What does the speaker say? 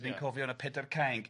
a ni'n cofio yn y Pedair Cainc... Ia...